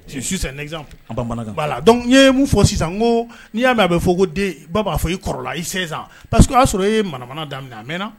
Susan bamanan la dɔn n ye mun fɔ sisan ko n'i y'a a bɛ fɔ ko den b'a fɔ kɔrɔ isan pa que y'a sɔrɔ i ye maramana daminɛ mɛn na